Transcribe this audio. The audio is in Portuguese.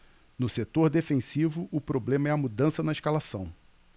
no setor defensivo o problema é a mudança na escalação